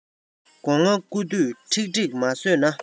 སྒོ ང རྐུ དུས ཁྲིག ཁྲིག མ ཟོས ན